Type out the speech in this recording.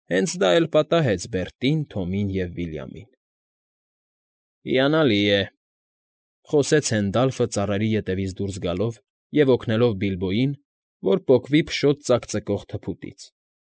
Հենց դա էլ պատահեց Բերտին, Թոմին և Վիլյամին։ ֊ Հիանալի է,֊ խոսեց Հենդալֆը ծառերի ետևից դուրս գալով և օգնելով Բիլբոյին, որ պոկվի փոշոտ ծակծկող թփուտից։